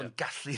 oedd yn gallu